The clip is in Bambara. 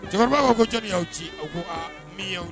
Cɛkɔrɔba ko ko caaw ci ko miw